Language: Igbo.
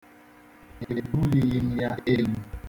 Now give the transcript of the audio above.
Ebulighị m ya elu.